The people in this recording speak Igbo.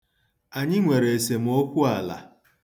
Anyị nwere esemokwu ala.